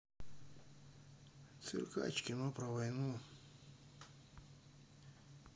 циркач кино про войну